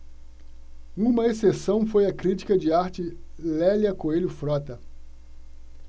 uma exceção foi a crítica de arte lélia coelho frota